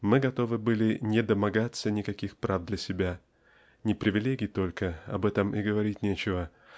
мы готовы были не домогаться никаких прав для себя не привилегий только об этом и говорить нечего